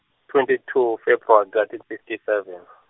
twenty two February fifty seven.